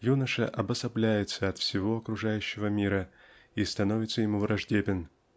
Юноша обособляется от всего окружающего мира и становится ему враждебен.